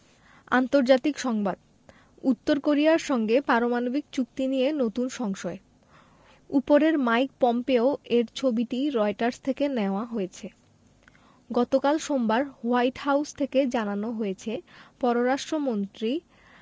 আন্তর্জাতিক সংবাদ উত্তর কোরিয়ার সঙ্গে পারমাণবিক চুক্তি নিয়ে নতুন সংশয় উপরের মাইক পম্পেও এর ছবিটি রয়টার্স থেকে নেয়া হয়েছে গতকাল সোমবার হোয়াইট হাউস থেকে জানানো হয়েছে পররাষ্ট্রমন্ত্রী